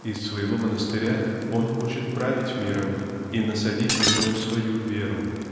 из своего монастыря он хочет править миром и насадить в нем свою веру